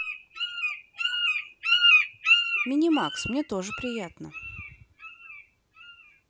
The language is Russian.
минимакс мне тоже приятно